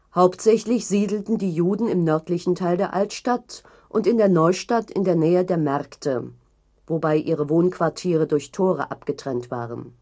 Hauptsächlich siedelten die Juden im nördlichen Teil der Altstadt und in der Neustadt in der Nähe der Märkte, wobei ihre Wohnquartiere durch Tore abgetrennt waren